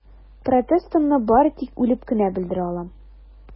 Протестымны бары тик үлеп кенә белдерә алам.